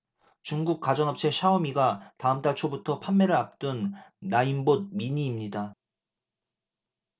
중국 가전업체 샤오미가 다음 달 초부터 판매를 앞둔 나인봇 미니입니다